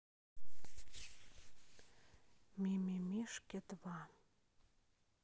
мимимишки два